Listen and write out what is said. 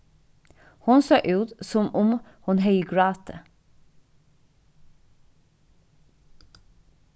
hon sá út sum um hon hevði grátið